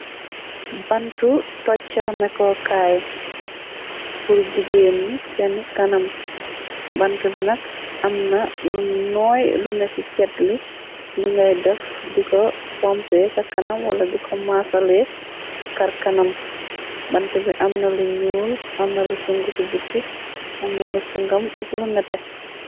Bantu toccarmekokaay pur jigeen ni seen kanam bante bi nag am na lu nooy lu ne ci cetli li ngay def di ko xompe ka kana wala diko maasale kar kanam bante bi amna lu ñuul amna lu sung ci bukki amna lu singom ak lu nete.